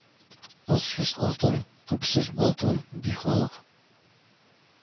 Аз сүз алтын, күп сүз балтун, ди халык